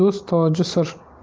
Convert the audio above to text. do'st toji sir